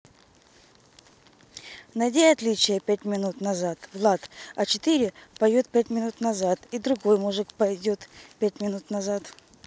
найди отличия пять минут назад влад а четыре поет пять минут назад и другой мужик пойдет пять минут назад